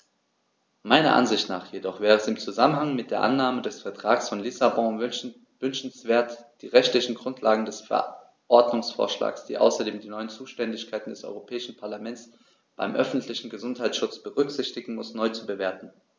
Meiner Ansicht nach jedoch wäre es im Zusammenhang mit der Annahme des Vertrags von Lissabon wünschenswert, die rechtliche Grundlage des Verordnungsvorschlags, die außerdem die neuen Zuständigkeiten des Europäischen Parlaments beim öffentlichen Gesundheitsschutz berücksichtigen muss, neu zu bewerten.